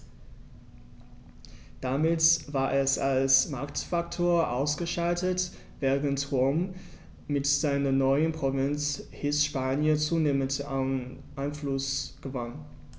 Damit war es als Machtfaktor ausgeschaltet, während Rom mit seiner neuen Provinz Hispanien zunehmend an Einfluss gewann.